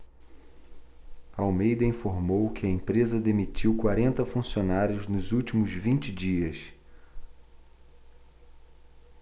almeida informou que a empresa demitiu quarenta funcionários nos últimos vinte dias